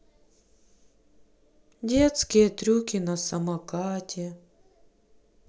детские трюки на самокате